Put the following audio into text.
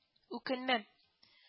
Үкенмәм